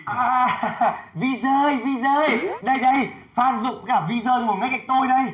a ha ha hà hà vy dơi vy dơi đây đây phan dụng với cả vy dơi ngồi ngay cạnh tôi đây